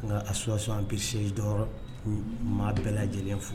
Nka a suson bɛ se jɔyɔrɔ maa bɛɛ lajɛlen fo